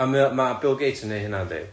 Ia, a ma' Bill Gates yn 'neud hynna yndi?